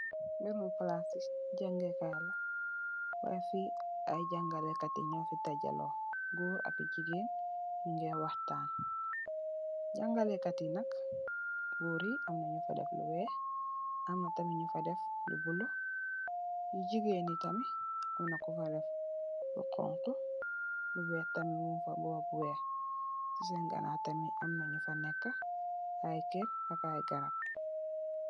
... palaas i jaangee kaay la, waay fii jangalé kat yi ñoo fa dajalo, goor ak jigéen ñu ngee waxtaan. Jangale kat yi nak, goor yi, am ñu def lu weex, am na ñu def lu bulo. Jigeen yi tam, am na ñu fa def lu xoñxa, lu weex tam muñg fa. Ci seen ganaaw tam am na ñu lu fa neeka, ay kér ak ay garab.